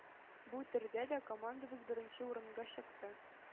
Бу төрдә дә командабыз беренче урынга чыкты.